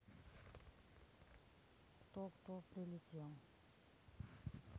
кто кто прилетел